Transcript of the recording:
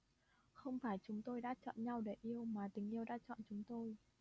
không phải chúng tôi đã chọn nhau để yêu mà tình yêu đã chọn chúng tôi